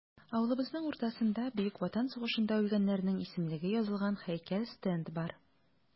Авылыбызның уртасында Бөек Ватан сугышында үлгәннәрнең исемлеге язылган һәйкәл-стенд бар.